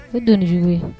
O donjugu ye